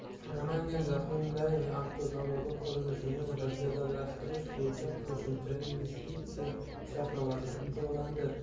namanganda hyundai avtozavodi qurilishini jadallashtirish bo'yicha qo'shimcha investitsiya shartnomasi imzolandi